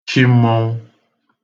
chi mmọnwụ